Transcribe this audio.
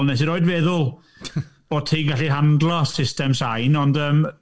Wnes i erioed feddwl bo' ti'n gallu handlo system sain, ond yym...